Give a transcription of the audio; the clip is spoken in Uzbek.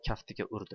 kaftiga urdi